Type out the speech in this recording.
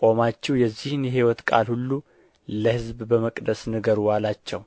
ቆማችሁ የዚህን ሕይወት ቃል ሁሉ ለሕዝብ በመቅደስ ንገሩ አላቸው